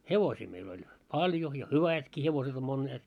hevosia meillä oli paljon ja hyvätkin hevoset on monet